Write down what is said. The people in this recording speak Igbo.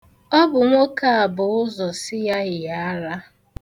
Ọ bụ nwoke a bu ụzọ sị ya "yie ara!"